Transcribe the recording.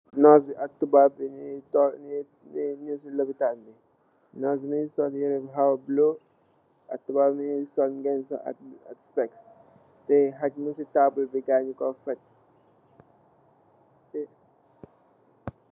Nurse bi ak tuban bi nyung tok si lopitan munge sul yereh bu khawa bulah ak nyunge sul ngensu ak lunet ta khach mung si tabul nyunge koi fatch